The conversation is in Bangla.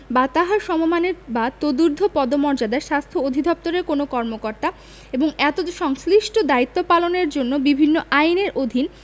বা তাঁহার সমমানের বা তদূর্ধ্ব পদমর্যাদার স্বাস্থ্য অধিদপ্তরের কোন কর্মকর্তা এবং এতদ্ সংশ্লিষ্ট দায়িত্ব পালনের জন্য বিভিন্ন আইনের অধীন